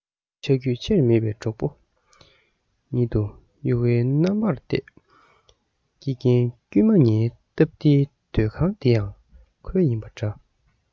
ཆ རྒྱུས ཆེར མེད པའི གྲོགས པོ གཉིད དུ ཡུར བའི རྣམ པར བལྟས དགེ རྒན དཀྱུས མ ངའི སྟབས བདེའི སྡོད ཁང འདི ཡང ཁོའི ཡིན པ འདྲ